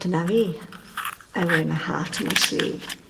Dyna fi. I wear my hearth on my sleeve.